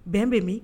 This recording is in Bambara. Bɛn bɛ min